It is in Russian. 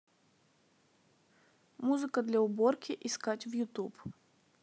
музыка для уборки искать в ютуб